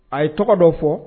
A ye tɔgɔ dɔ fɔ